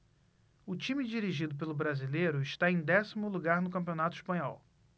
o time dirigido pelo brasileiro está em décimo lugar no campeonato espanhol